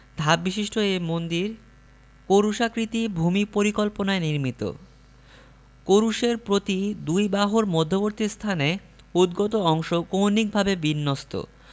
ধাপবিশিষ্ট এ মন্দির ক্রুশাকৃতি ভূমিপরিকল্পনায় নির্মিত ক্রুশের প্রতি দুই বাহুর মধ্যবর্তী স্থানে উদ্গত অংশ কৌণিকভাবে বিন্যস্ত